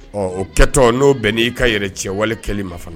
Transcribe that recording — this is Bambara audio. Ɔ o kɛtɔ n'o bɛn n'i ka yɛrɛ cɛwale kɛli ma fana